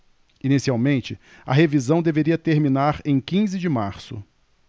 inicialmente a revisão deveria terminar em quinze de março